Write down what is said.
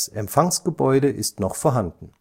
Empfangsgebäude ist noch vorhanden